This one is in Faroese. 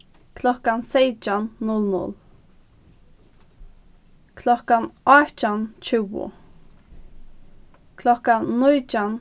klokkan seytjan null null klokkan átjan tjúgu klokkan nítjan